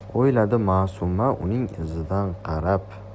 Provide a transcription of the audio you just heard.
o'yladi ma'suma uning izidan qarab